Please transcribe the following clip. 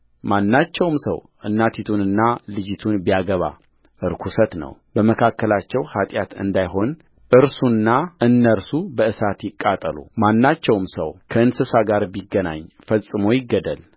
ማናቸውም ሰው እናቲቱንና ልጂቱን ቢያገባ ርኵሰት ነው በመካከላችሁ ኃጢአት እንዳይሆን እርሱና እነርሱ በእሳት ይቃጠሉማናቸውም ሰው ከእንስሳ ጋር ቢገናኝ ፈጽሞ ይገደል